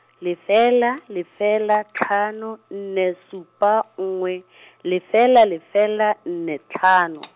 lefela lefela tlhano nne supa nngwe , lefela lefela nne tlhano.